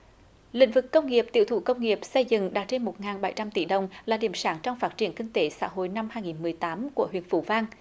lĩnh vực công nghiệp tiểu thủ công nghiệp xây dựng đạt trên một ngàn bảy trăm tỷ đồng là điểm sáng trong phát triển kinh tế xã hội năm hai nghìn mười tám của huyện phú vang